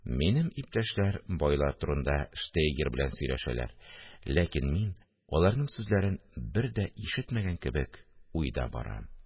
Минем иптәшләр байлар турында штейгер белән сөйләшәләр, ләкин мин, аларның сүзләрен бер дә ишетмәгән кебек, уйда барам